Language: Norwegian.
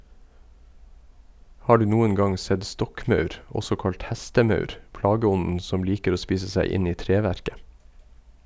Har du noen gang sett stokkmaur , også kalt hestemaur , plageånden som liker å spise seg inn i treverket?